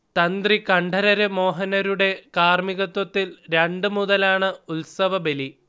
തന്ത്രി കണ്ഠരര് മോഹനരുടെ കാർമികത്വത്തിൽ രണ്ടുമുതലാണ് ഉത്സവബലി